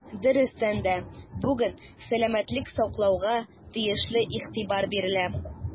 Дөрестән дә, бүген сәламәтлек саклауга тиешле игътибар бирелә.